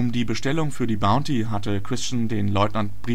die Bestellung für die Bounty hatte Christian den Leutnant